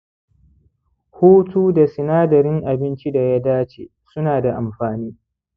hutu da sinadarin abinci da ya dace su na da amfani